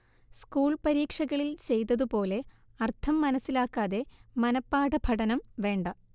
school പരീക്ഷകളിൽ ചെയ്തതുപോലെ അർഥം മനസ്സിലാക്കാതെ മനഃപാഠ പഠനം വേണ്ട